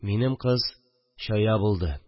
Минем кыз чая булды